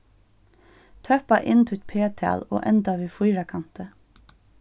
tøppa inn títt p-tal og enda við fýrakanti